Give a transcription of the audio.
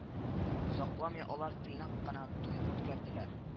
Озакламый алар тыйнак кына туй үткәрделәр